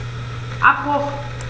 Abbruch.